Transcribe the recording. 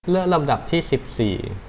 เลือกลำดับที่สิบสี่